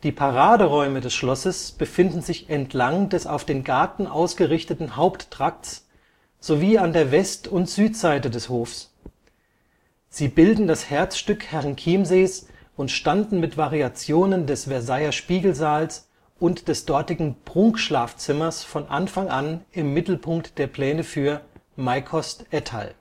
Paraderäume des Schlosses befinden sich entlang des auf den Garten ausgerichteten Haupttrakts, sowie an der West - und Südseite des Hofs. Sie bilden das Herzstück Herrenchiemsees und standen mit Variationen des Versailler Spiegelsaals und des dortigen Prunkschlafzimmers von Anfang an im Mittelpunkt der Pläne für Meicost Ettal